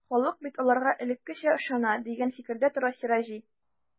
Халык бит аларга элеккечә ышана, дигән фикердә тора Сираҗи.